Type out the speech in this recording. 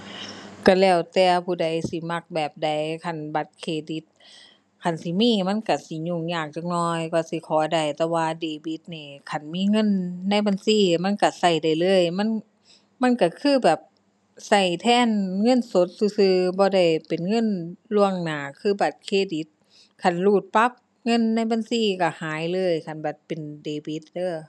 ก็แล้วแต่ผู้ใดสิมักแบบใด คันบัตรเครดิต คันสิมีมันก็สิยุ่งยากจักหน่อย กว่าสิขอได้แต่ว่าบัตรเดบิตนี้ คันมีเงินในบัญชีมันก็ก็ได้เลย มัน มันก็คือแบบก็แทนเงินสดซื่อซื่อ บ่ได้เป็นเงินล่วงหน้า คือบัตรเครดิต คันรูดปั๊บ เงินในบัญชีก็หายเลย คันแบบเป็นเดบิตเด้อ